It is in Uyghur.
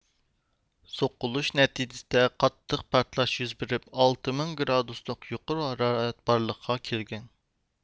سوقۇلۇش نەتىجىسىدە قاتتىق پارتلاش يۈز بېرىپ ئالتە مىڭ گرادۇسلۇق يۇقىرى ھارارەت بارلىققا كەلگەن